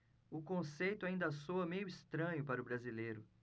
o conceito ainda soa meio estranho para o brasileiro